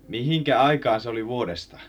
mihinkä aikaan se oli vuodesta